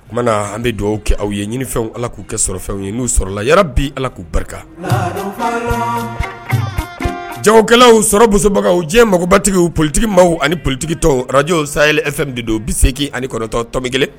O kumanaa an bɛ dugawu kɛ aw ye ɲiniw Ala k'u kɛ sɔrɔfɛnw ye n'u sɔrɔ la yarabii Ala k'u barika jagoɛlaw sɔrɔ boson bagaw diɲɛ magobatigiw politique maaw ani politique tɔnw radio Sahel FM de don 89.1